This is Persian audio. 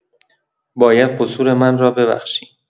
باید قصور من را ببخشی.